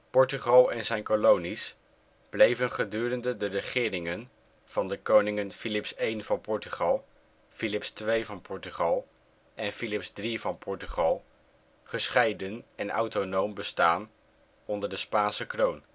Portugal en zijn kolonies bleven gedurende de regeringen van de koningen Filips I van Portugal, Filips II van Portugal en Filips III van Portugal gescheiden en autonoom bestaan onder de Spaanse kroon